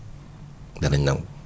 danañ nangu